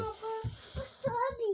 включи отпуск по обмену